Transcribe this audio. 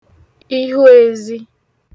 ihu ezi